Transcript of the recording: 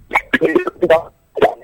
Gɛnin yo